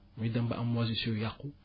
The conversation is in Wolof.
muy dem ba am moisissures yàqu